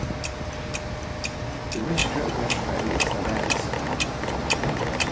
í myrkri og mjørka er ilt at vara seg